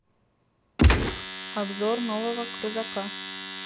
обзор нового крузака